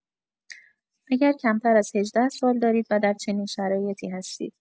اگر کمتر از هجده سال دارید و در چنین شرایطی هستید.